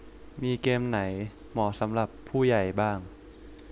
เกมไหนเหมาะสำหรับผู้ใหญ่บ้าง